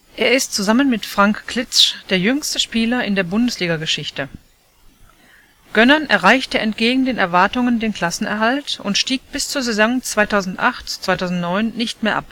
Er ist zusammen mit Frank Klitzsch der jüngste Spieler in der Bundesliga-Geschichte. Gönnern erreichte entgegen den Erwartungen den Klassenerhalt und stieg bis zur Saison 2008/09 nicht mehr